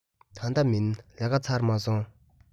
ད ལྟ མིན ལས ཀ ཚར མ སོང